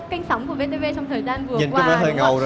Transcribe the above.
kênh sóng của vê tê vê thời gian vừa qua đúng không ạ